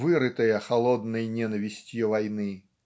вырытая холодной ненавистью войны.